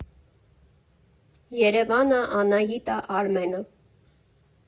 Երևանը, Անահիտը, Արմենը։